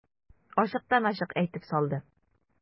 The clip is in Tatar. Ачыктан-ачык әйтеп салды.